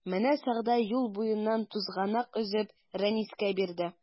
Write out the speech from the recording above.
Менә Сәгъдә юл буеннан тузганак өзеп Рәнискә бирде.